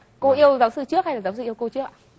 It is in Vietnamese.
cô yêu giáo sư trước hay là giáo sư yêu cô trước ạ